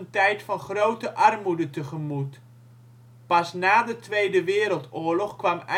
tijd van grote armoede tegemoet. Pas na de Tweede Wereldoorlog kwam IJsselstein